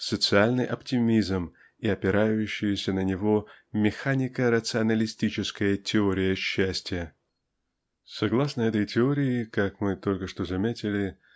социальный оптимизм и опирающаяся на него механико-рационалистическая теория счастья. Согласно этой теории как мы только что заметили